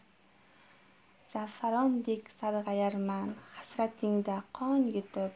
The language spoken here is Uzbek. zafarondek sarg'ayurman hasratingda qon yutib